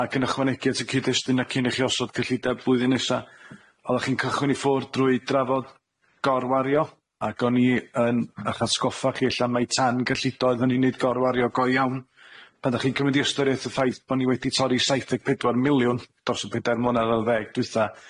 Ag yn ychwanegu at y cyd-destuna cyn i chi osod cyllideb flwyddyn nesa, odda chi'n cychwyn i ffwr' drwy drafod gorwario, ag o'n i yn 'ych atgoffa chi ella mai tangyllido oedd o'n i neud, nid gorwario go iawn, pan 'dach chi'n cymryd 'i ystyriaeth y ffaith bo' ni wedi torri saith deg pedwar miliwn dros y pedair mlynedd ar ddeg dwytha.